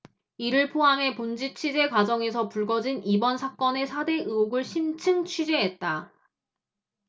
이를 포함해 본지 취재 과정에서 불거진 이번 사건의 사 대 의혹을 심층 취재했다